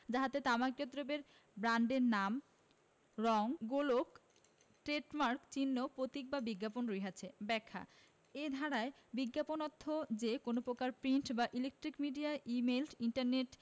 যাহাতে তামাকজাত দ্রব্যের ব্রান্ডের নাম রং গোলোক ট্রেডমার্ক চিহ্ন প্রতীক বা বিজ্ঞাপন রহিয়াছে ব্যাখ্যাঃ এই ধারায় বিজ্ঞাপন অর্থ যে কোন প্রকার প্রিন্ট ও electronic media email internet